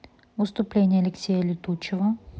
выступление алексея летучего